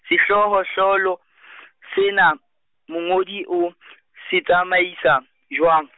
Sehlohlolo , sena, mongodi o , se tsamaisa, jwang .